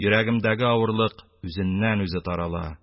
Йөрәгемдәге авырлык үзеннән-үзе тарала...